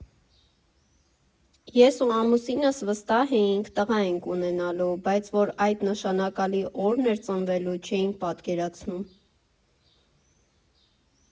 Ես ու ամուսինս վստահ էինք՝ տղա ենք ունենալու, բայց որ այդ նշանակալի օրն էր ծնվելու, չէինք պատկերացնում։